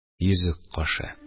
Йөзек кашы